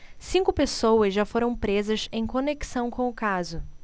cinco pessoas já foram presas em conexão com o caso